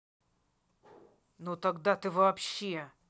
ну тогда ты вообще